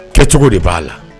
Kɛ cogo de ba la.